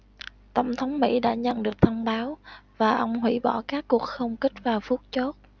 tổng thống mỹ đã nhận được thông báo và ông hủy bỏ các cuộc không kích vào phút chót